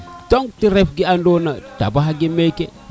donc te ref ke andona tabax ge meke